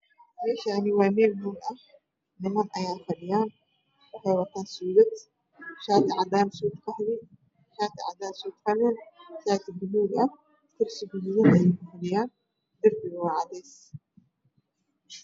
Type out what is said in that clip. Meeshaani waa meel buur ah niman ayaa fadhiyo waxay wataan suudad shaati cadaan suud qaxwi shaati cadaan suud buluug ah kursi gaduudan ayey ku fadhiyan darbiga waa cadays